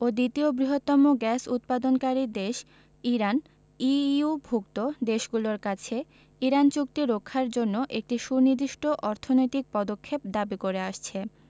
ও দ্বিতীয় বৃহত্তম গ্যাস উৎপাদনকারী দেশ ইরান ইইউভুক্ত দেশগুলোর কাছে ইরান চুক্তি রক্ষার জন্য একটি সুনির্দিষ্ট অর্থনৈতিক পদক্ষেপ দাবি করে আসছে